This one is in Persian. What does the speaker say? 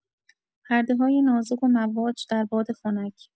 پرده‌های نازک و مواج در باد خنک